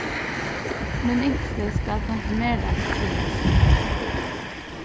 mín yngsti skal konfirmerast í heyst